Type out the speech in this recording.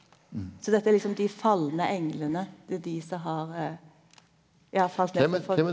så dette er liksom dei falne englane det er dei som har ja falt ned frå .